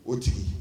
O tigi